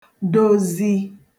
dozi